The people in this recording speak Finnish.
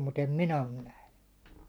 mutta en minä ole nähnyt